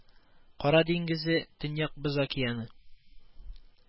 Кара диңгезе, Төньяк Боз океаны